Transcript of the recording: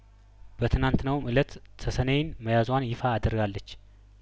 በትናትናውም እለት ተሰነይን መያዟን ይፋ አድርጋለች